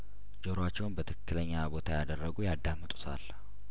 ጆሮአቸውን በትክክለኛ ቦታ ያደረጉ ያዳምጡታል